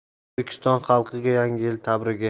o'zbekiston xalqiga yangi yil tabrigi